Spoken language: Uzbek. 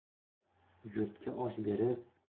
yurtga osh berib